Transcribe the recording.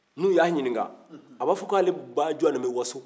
n'u y'a ɲinika a b'a fɔ k'ale bajɔni bɛ waso